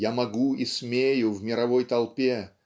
я могу и смею в мировой толпе